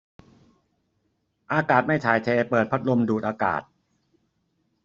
อากาศไม่ถ่ายเทเปิดพัดลมดูดอากาศ